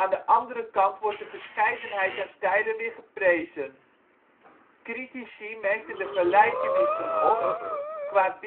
de andere kant wordt de verscheidenheid aan stijlen weer geprezen. Critici merkten de gelijkenissen op, qua